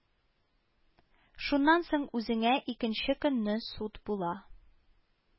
Шуннан соң үзенә икенче көнне суд була